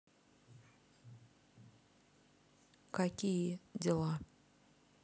какие дела